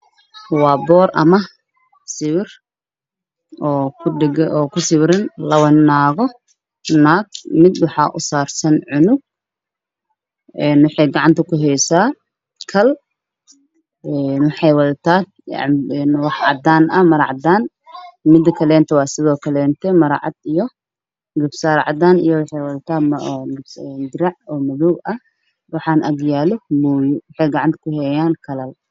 Waa boor ama sawir oo ku sawiran laba naago naag mid waxaa u sarsan cunug een waxey gacanta ku haysaa kal een waxey wadataa wax cadan ah mara cadaan mida kaleeto waa sidoklenta mara cad iyo garba saar cadaan iyo waxey wadtaa dirac oo madow ah waxaana ag yaalo mooyo waxey gacanta ku hayaan kalal